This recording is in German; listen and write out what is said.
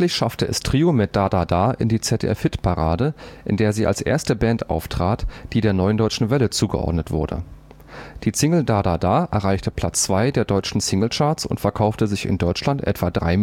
schaffte es Trio mit „ Da da da “in die ZDF-Hitparade, in der sie als erste Band auftrat, die der Neuen Deutschen Welle zugeordnet wurde. Die Single „ Da da da “erreichte Platz zwei der deutschen Single-Charts und verkaufte sich in Deutschland etwa drei